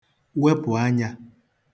wepụ̀ anyā